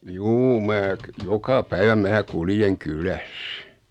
juu minä joka päivä minä kuljen kylässä